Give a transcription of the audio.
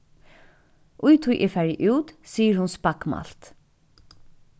í tí eg fari út sigur hon spakmælt